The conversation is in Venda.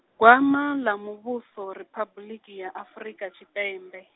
gwama ḽa muvhuso Riphabuḽiki ya Afrika tshipembe.